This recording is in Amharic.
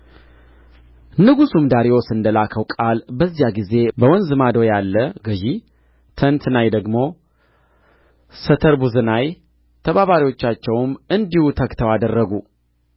ንጉሡም ዳርዮስ እንደ ላከው ቃል በዚያን ጊዜ በወንዝ ማዶ ያለ ገዥ ተንትናይ ደግሞ ሰተርቡዝናይ ተባባሪዎቻቸውም እንዲሁ ተግተው አደረጉ